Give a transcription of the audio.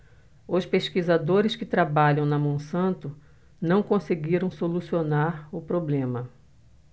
os pesquisadores que trabalham na monsanto não conseguiram solucionar o problema